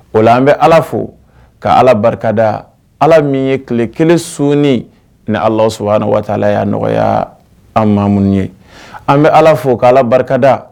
O la an bɛ ala fo ka ala barikada ala min ye tile kelen sɔni ni ala sɔrɔ ni waatila' nɔgɔya an mamu ye an bɛ ala fo ka ala barikada